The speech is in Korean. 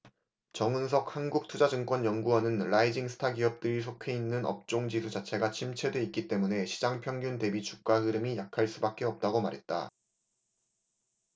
정훈석 한국투자증권 연구원은 라이징 스타 기업들이 속해 있는 업종지수 자체가 침체돼 있기 때문에 시장 평균 대비 주가 흐름이 약할 수밖에 없다고 말했다